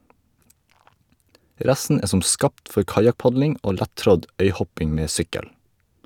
Resten er som skapt for kajakkpadling og lett-trådd øyhopping med sykkel.